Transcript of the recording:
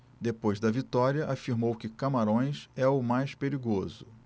depois da vitória afirmou que camarões é o mais perigoso